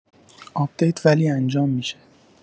آپدیت ولی انجام می‌شه